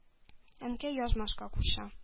Әнкәй язмаска куша.